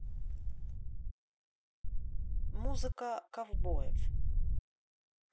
музыка ковбоев